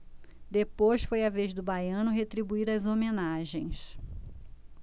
depois foi a vez do baiano retribuir as homenagens